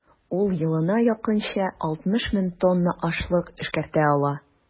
Ул елына якынча 60 мең тонна ашлык эшкәртә ала.